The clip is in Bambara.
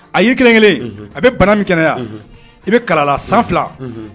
A y'i kelen kelen a bɛ bana min kɛnɛ i bɛ kalala san fila